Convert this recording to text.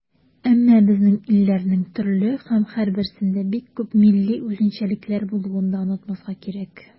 Әмма безнең илләрнең төрле һәм һәрберсендә бик күп милли үзенчәлекләр булуын да онытмаска кирәк.